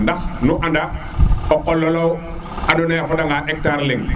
ndax nu anda o qolo lu ando na ye a fada nga no hectar leŋ